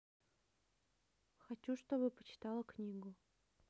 хочу чтобы почитала книгу